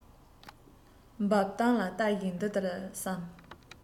འབབ སྟངས ལ ལྟ བཞིན འདི ལྟར བསམ